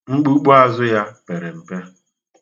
Mkpukpu azụ ya pere mpe.